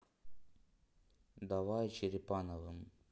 давай черепановым